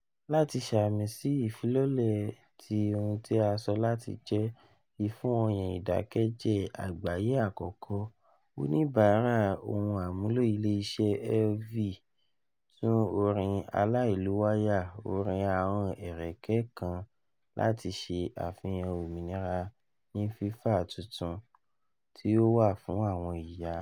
Lati samisi ifilọlẹ ti ohun ti a sọ lati jẹ "ifun ọyan idakẹjẹ agbaye akọkọ," onibara ohun-amulo ile iṣẹ Elvie tu orin alailowaya orin ahọn ẹrẹkẹ kan lati ṣe afihan ominira ni fifa tuntun ti o wa fun awọn iya.